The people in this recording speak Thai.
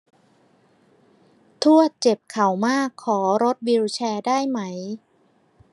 ทวดเจ็บเข่ามากขอรถวีลแชร์ได้ไหม